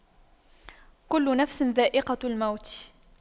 كُلُّ نَفسٍ ذَائِقَةُ المَوتِ